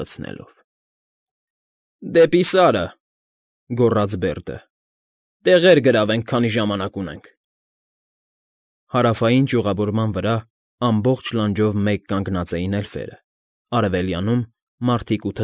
Լցնելով։ ֊ Դեպի սարը,֊ գոռաց Բերդը։֊ Տեղերը գրավենք, քանի ժամանակ ունենք… Հարավային ճյուղավորման վրա, ամբողջ լանջով մեկ կանգնած էին էլֆերը, արևելյանում՝ մարդիկ ու։